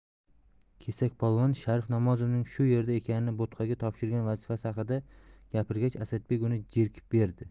kesakpolvon sharif namozovning shu yerda ekani bo'tqaga topshirgan vazifasi haqida gapirgach asadbek uni jerkib berdi